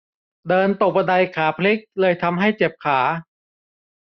เดินตกบันไดขาพลิกเลยทำให้เจ็บขา